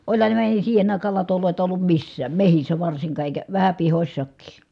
olihan ne eihän ne siihen aikaan latoja ollut missään metsissä varsinkaan eikä vähän pihoissakin